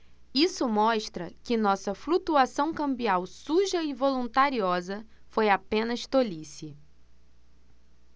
isso mostra que nossa flutuação cambial suja e voluntariosa foi apenas tolice